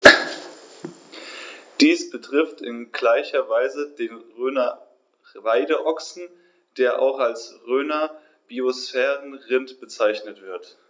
Dies betrifft in gleicher Weise den Rhöner Weideochsen, der auch als Rhöner Biosphärenrind bezeichnet wird.